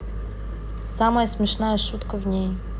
самая смешная шутка в ней